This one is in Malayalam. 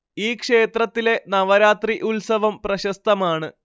ഈ ക്ഷേത്രത്തിലെ നവരാത്രി ഉത്സവം പ്രശസ്തമാണ്